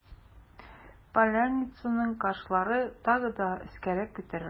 Поляницаның кашлары тагы да өскәрәк күтәрелде.